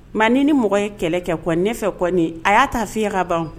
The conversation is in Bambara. Ma ni ni mɔgɔ ye kɛlɛ kɛ fɛ a y'a ta fiɲɛkaban